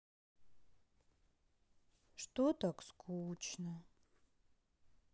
что так скучно